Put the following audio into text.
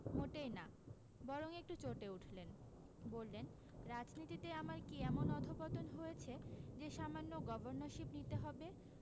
মোটেই না বরং একটু চটে উঠলেন বললেন রাজনীতিতে আমার কী এমন অধপতন হয়েছে যে সামান্য গভর্নরশিপ নিতে হবে